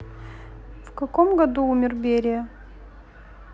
в каком году умер берия